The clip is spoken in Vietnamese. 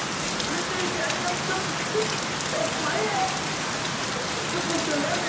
lên đây thì anh em châm chích chọc ngoáy em sao cuộc đời em lại